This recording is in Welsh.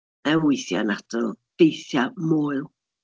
Mae o weithiau'n adrodd ffeithiau moel.